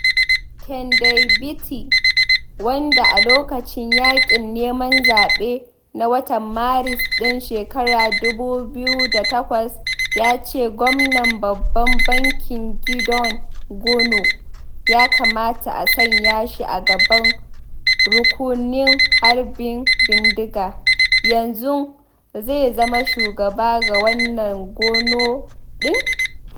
Tendai Biti wanda, a lokacin yaƙin neman zaɓe na watan Maris ɗin 2008 ya ce gwamnan Babban Banki Gideon Gono “ya kamata a sanya shi a gaban rukunin harbin bindiga,” yanzu zai zama shugaba ga wannan Gono ɗin.